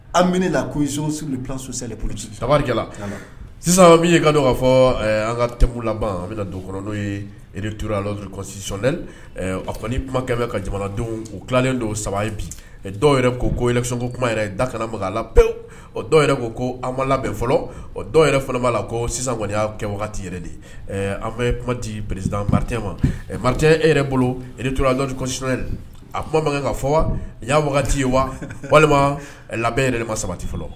An minɛ kooli sabari sisan min ka kaa fɔ an ka tɛmɛ laban an bɛna don kɔnɔ n'o yere torasiɛ a kɔni kumakɛ ka jamanadenw o tilalen don saba ye bi dɔw yɛrɛ ko kuma da kana makan la pewu dɔw yɛrɛ ko ko an ma labɛn fɔlɔ dɔw yɛrɛ fana b'a la ko sisan y'a kɛ yɛrɛ de an bɛ kumati p mari ma mari e yɛrɛ bolo torasi a kuma man kan ka fɔ y'a wagati ye wa walima labɛn yɛrɛ ma sabati fɔlɔ